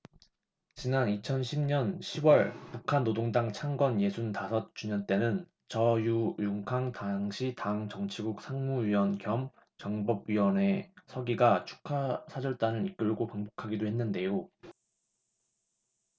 지난 이천 십 년 시 월 북한 노동당 창건 예순 다섯 주년 때는 저우융캉 당시 당 정치국 상무위원 겸 정법위원회 서기가 축하사절단을 이끌고 방북하기도 했는데요